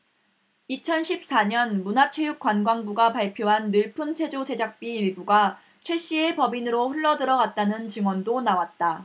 이천 십 사 년 문화체육관광부가 발표한 늘품체조 제작비 일부가 최씨의 법인으로 흘러들어 갔다는 증언도 나왔다